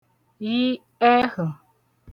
yị ẹhụ̀